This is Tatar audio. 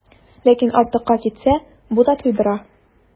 Ләкин артыкка китсә, бу да туйдыра.